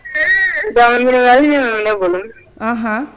Jamu nana ne bolo